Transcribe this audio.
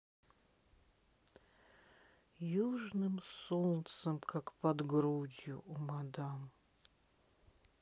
южным солнцем как под грудью у мадам